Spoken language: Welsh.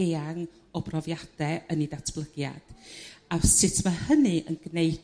eang o brofiade yn 'u datblygiad a sut mae hynny yn g'neud